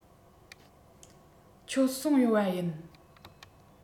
ཁྱོད སོང ཡོད པ ཡིན